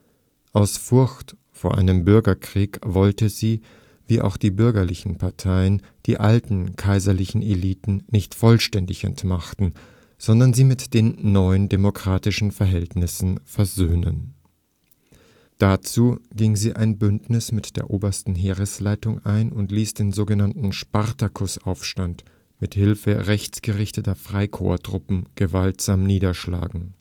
Aus Furcht vor einem Bürgerkrieg wollte sie – wie auch die bürgerlichen Parteien – die alten kaiserlichen Eliten nicht vollständig entmachten, sondern sie mit den neuen demokratischen Verhältnissen versöhnen. Dazu ging sie ein Bündnis mit der Obersten Heeresleitung (OHL) ein und ließ den so genannten Spartakusaufstand mit Hilfe rechtsgerichteter Freikorpstruppen gewaltsam niederschlagen